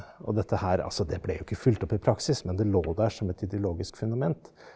og dette her altså det ble jo ikke fulgt opp i praksis men det lå der som et ideologisk fundament.